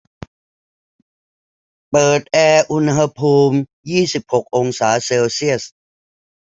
เปิดแอร์อุณหภูมิยี่สิบหกองศาเซลเซียส